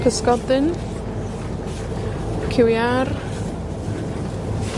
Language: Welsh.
Pysgodyn. Cyw iâr.